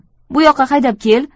bu yoqqa haydab kel